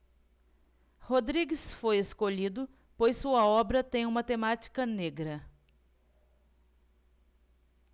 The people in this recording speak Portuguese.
rodrigues foi escolhido pois sua obra tem uma temática negra